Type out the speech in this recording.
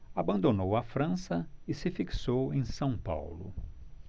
abandonou a frança e se fixou em são paulo